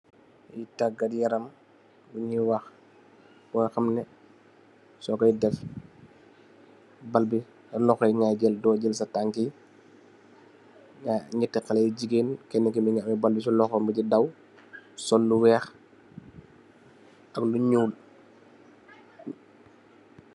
Ay taggat yaram bu nyu wax, boo xamne so koy def, baal bi sa loxo ngay jal, do jal sa tankk yi, nyetti xale nyu jigeen yi, keneen ki mingi ame baal bi, di loxo di daw, sol lu weex, ak lu nyuul.